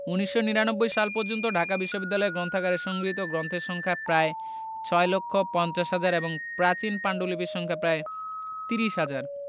১৯৯৯ সাল পর্যন্ত ঢাকা বিশ্ববিদ্যালয় গ্রন্থাগারে সংগৃহীত গ্রন্থের সংখ্যা প্রায় ৬ লক্ষ ৫০ হাজার এবং প্রাচীন পান্ডুলিপির সংখ্যা প্রায় ত্রিশ হাজার